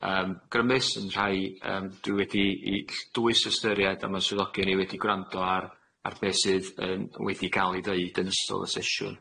yym grymus yn rhai yym dwi wedi i ll- dwys ystyried a ma'n swyddogion i wedi gwrando ar ar be' sydd yn wedi ga'l i ddeud yn ystod y sesiwn.